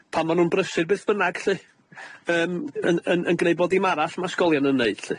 pan ma' nw'n brysur beth bynnag lly, yym yn yn yn gneud bo' dim arall ma' ysgolion yn neud lly.